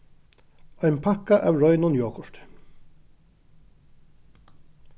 ein pakka av reinum jogurti